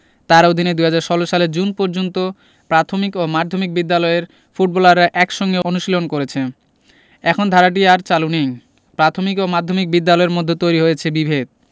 তাঁর অধীনে ২০১৬ সালের জুন পর্যন্ত প্রাথমিক ও মাধ্যমিক বিদ্যালয়ের ফুটবলাররা একসঙ্গে অনুশীলন করেছে এখন ধারাটি আর চালু নেই প্রাথমিক ও মাধ্যমিক বিদ্যালয়ের মধ্যে তৈরি হয়েছে বিভেদ